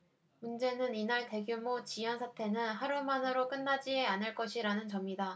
문제는 이날 대규모 지연 사태는 하루만으로 끝나지는 않을 것이라는 점이다